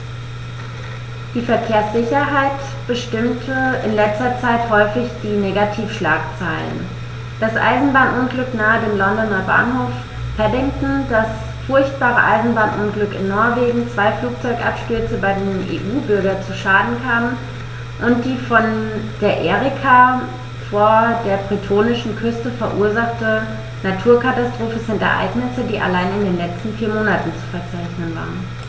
Die Verkehrssicherheit bestimmte in letzter Zeit häufig die Negativschlagzeilen: Das Eisenbahnunglück nahe dem Londoner Bahnhof Paddington, das furchtbare Eisenbahnunglück in Norwegen, zwei Flugzeugabstürze, bei denen EU-Bürger zu Schaden kamen, und die von der Erika vor der bretonischen Küste verursachte Naturkatastrophe sind Ereignisse, die allein in den letzten vier Monaten zu verzeichnen waren.